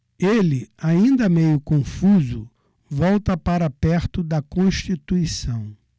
ele ainda meio confuso volta para perto de constituição